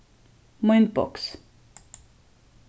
mínboks